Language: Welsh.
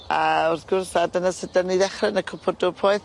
A wrth gwrs a dyna sud 'dyn ni ddechre yn y cwpwr dwr poeth...